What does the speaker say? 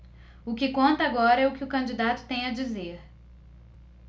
o que conta agora é o que o candidato tem a dizer